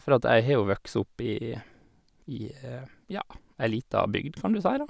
For at jeg har jo vokst opp i i, ja, ei lita bygd, kan du si, da.